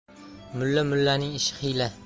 mulla mullaning ishi hiyla